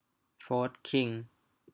โฟธคิง